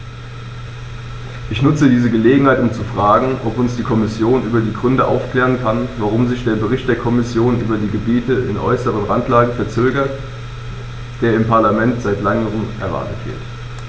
Ich nutze diese Gelegenheit, um zu fragen, ob uns die Kommission über die Gründe aufklären kann, warum sich der Bericht der Kommission über die Gebiete in äußerster Randlage verzögert, der im Parlament seit längerem erwartet wird.